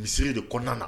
Misi de kɔnɔna na